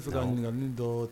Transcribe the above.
Dɔ